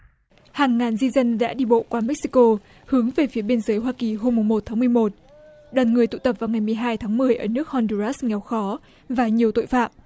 hàng ngàn di dân dã đi bộ qua mếch xi cô hướng về phía biên giới hoa kỳ hôm mùng một tháng mười một đoàn người tụ tập vào ngày mười hai tháng mười ở nước hon đờ rát nghèo khó và nhiều tội phạm